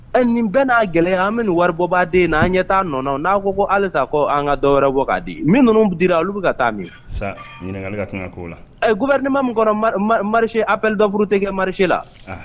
Ɛ nin bɛɛ n'a gɛlɛya an bɛ nin waribɔbaden in na an tɛ k'a nɔ ye, . an ɲɛ taa nɔ la, n'a ko halisa ko an ka dɔ wɛrɛ bɔ k'a di , minnu dira olu bɛ ka taa min ? Sa, ɲininkali ka kan ka k'o la, ɛɛ douvernement min kɔnɔ appel d'offre tɛ kɛ marché la!